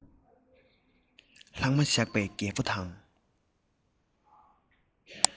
ལྷག མ བཞག པས རྒད པོ དང